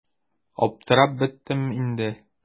Аптырап беттем инде.